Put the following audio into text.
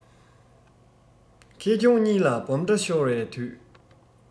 ཁེ གྱོང གཉིས ལ སྦོམ ཕྲ ཤོར བའི དུས